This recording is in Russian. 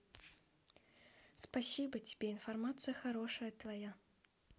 спасибо тебе информация хорошая твоя